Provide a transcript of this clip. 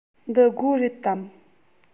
འདི སྒོ རེད དམ